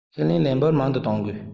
ཁས ལེན ལས འབོར མང དུ གཏོང དགོས